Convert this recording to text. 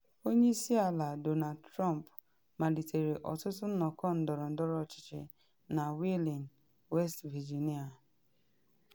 Onye Isi Ala Donald Trump malitere ọtụtụ nnọkọ ndọrọndọrọ ọchịchị na Wheeling, West Virginia.